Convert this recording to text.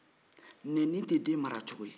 nɛnini tɛ den mara cogo ye